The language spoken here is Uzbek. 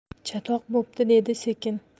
chatoq bo'pti dedi sekin